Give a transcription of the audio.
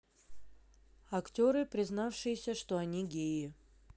актеры признавшиеся что они геи